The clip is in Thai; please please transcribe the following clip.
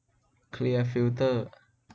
เคลียร์ฟิลเตอร์